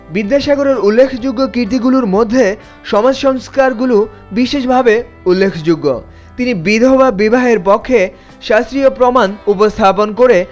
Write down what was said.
বিদ্যাসাগর উল্লেখযোগ্য কীর্তিগুলোর মধ্যে সমাজ সংস্কার গুলো বিশেষভাবে উল্লেখযোগ্য তিনি বিধবা বিবাহের পক্ষে শাস্ত্রীয় প্রমাণ উপস্থাপন করে